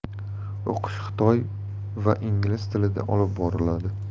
o'qish xitoy va ingliz tilida olib boriladi